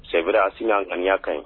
Sɛra a sinani y'a kan ɲi